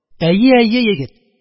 Әйе, әйе, егет